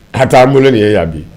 Ha taa an bolo nin ye yan bi